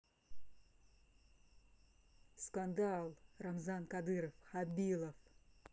скандал рамзан кадыров хабилов